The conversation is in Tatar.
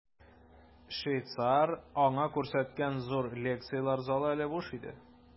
Швейцар аңа күрсәткән зур лекцияләр залы әле буш иде.